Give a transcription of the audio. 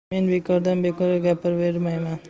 men bekordan bekorga gapiravermayman